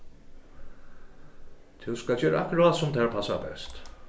tú skalt gera akkurát sum tær passar best